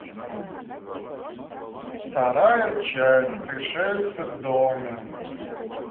вторая часть пришельцы в доме